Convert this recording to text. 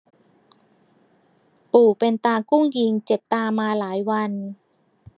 ปู่เป็นตากุ้งยิงเจ็บตามาหลายวัน